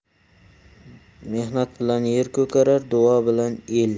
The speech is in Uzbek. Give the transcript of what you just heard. mehnat bilan yer ko'karar duo bilan el